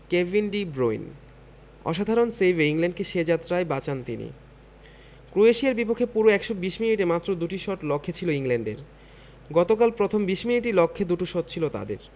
Kevin De Bruyne অসাধারণ সেভে ইংল্যান্ডকে সে যাত্রা বাঁচান তিনি ক্রোয়েশিয়ার বিপক্ষে পুরো ১২০ মিনিটে মাত্র দুটি শট লক্ষ্যে ছিল ইংল্যান্ডের গতকাল প্রথম ২০ মিনিটেই লক্ষ্যে দুটো শট ছিল তাদের